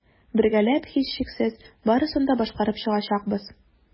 Бергәләп, һичшиксез, барысын да башкарып чыгачакбыз.